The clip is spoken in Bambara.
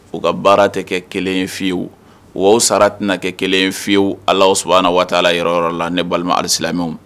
U ka baara tɛ kɛ kelen fiyewu sara tɛna kɛ kelen fiyewu ala s waati' la yɔrɔ yɔrɔ la ne balimamu alisilamɛw